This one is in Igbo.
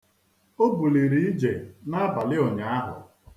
O buliri ije n'abalị ụnyaahụ.